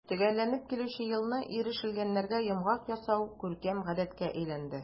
Төгәлләнеп килүче елны ирешелгәннәргә йомгак ясау күркәм гадәткә әйләнде.